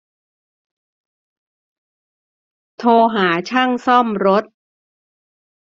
โทรหาช่างซ่อมรถ